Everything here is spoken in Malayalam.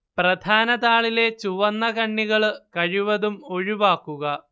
പ്രധാനതാളിലെ ചുവന്നകണ്ണികള്‍ കഴിവതും ഒഴിവാക്കുക